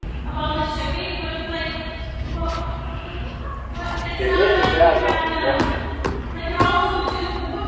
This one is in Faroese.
eg verði bara í nakrar minuttir